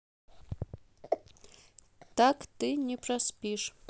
так ты не проспишь